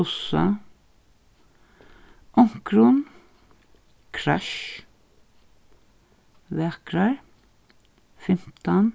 plussa onkrum krassj vakrar fimtan